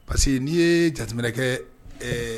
Parce que n'i ye jateminɛ kɛ